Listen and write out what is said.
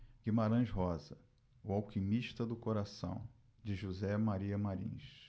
guimarães rosa o alquimista do coração de josé maria martins